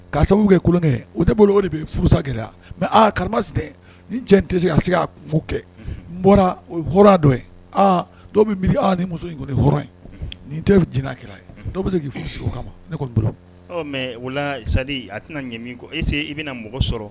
Ka sababu kɛ kolonkɛ o tɛ bolo o de bɛ furusa kɛra mɛ aaa kara ni tɛ se ka se'fo kɛ n bɔra o dɔ dɔ ni muso in hɔrɔn in nin tɛ j kira ye dɔw bɛ se k' furu kama ne bolo mɛ ola sa a tɛna ɲɛ kɔ ese i bɛna mɔgɔ sɔrɔ